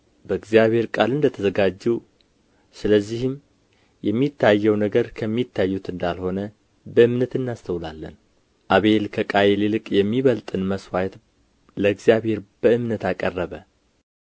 በእግዚአብሔር ቃል እንደ ተዘጋጁ ስለዚህም የሚታየው ነገር ከሚታዩት እንዳልሆነ በእምነት እናስተውላለን አቤል ከቃየል ይልቅ የሚበልጥን መሥዋዕት ለእግዚአብሔር በእምነት አቀረበ